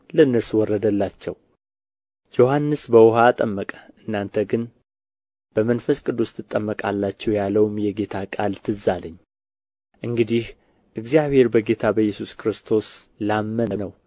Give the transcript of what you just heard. ለእነርሱ ወረደላቸው ዮሐንስ በውኃ አጠመቀ እናንተ ግን በመንፈስ ቅዱስ ትጠመቃላችሁ ያለውም የጌታ ቃል ትዝ አለኝ እንግዲህ እግዚአብሔር በጌታ በኢየሱስ ክርስቶስ ላመነው